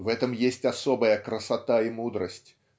В этом есть особая красота и мудрость